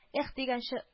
Эһ дигәнче